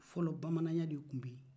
fɔlɔ bamananya de tun bɛ ye